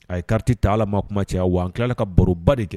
A ye kariti ta ala maa kuma caya wa an n tilala ka baroba de kɛ